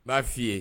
B'a f'i ye